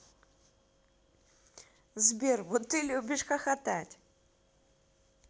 сбер вот ты любишь хохотать